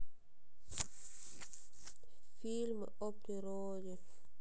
фильмы о природе